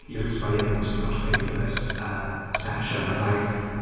You're expired now so you're going to have to pay for this err session and I was like...